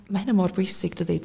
ma' hynna mor bwysig dydi?